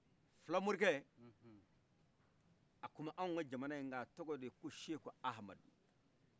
fila morikɛ a tun bi anw ka jamana in ka a tɔgɔ de ye ko ceku amadu